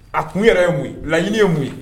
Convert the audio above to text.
A kun yɛrɛ ye mun ye ? Laɲini ye mun ye?